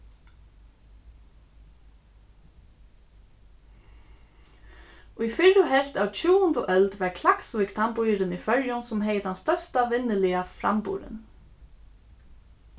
í fyrru helvt av tjúgundu øld var klaksvík tann býurin í føroyum sum hevði tann størsta vinnuliga framburðin